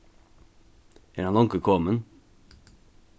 er hann longu komin